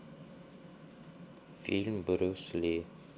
фильм брюс ли